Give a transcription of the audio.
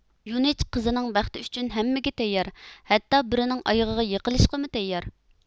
يۇنىج قىزىنىڭ بەختى ئۈچۈن ھەممىگە تەييار ھەتتا بىرىنىڭ ئايىغىغا يىقىلىشقىمۇ تەييار